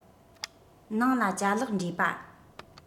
ནང ལ ཅ ལག འདྲེས པ